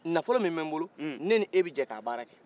nafolo min bɛ n bolo ne n'e bɛ jɛ ka baara kɛ